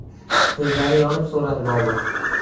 ko'zlari yonib so'radi bobur